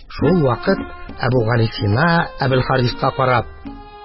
Шулвакыт Әбүгалисина, Әбелхариска карап: